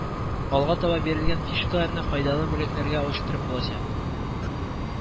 Алга таба бирелгән фишкаларны файдалы бүләкләргә алыштырып булачак